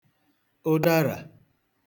ụdẹrà